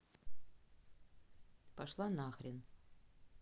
пошла нахрен